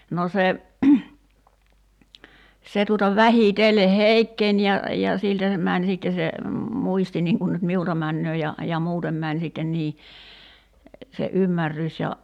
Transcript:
no se se tuolla vähitellen heikkeni ja ja siltä se meni sitten se muisti niin kuin nyt minulta menee ja ja muuten meni sitten niin se ymmärrys ja